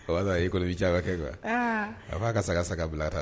O i kɔnɔ bɛ jaba kɛ nka a b'a ka saga saga bila ta